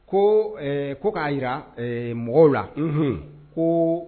Ko ko k'a jira mɔgɔw la ko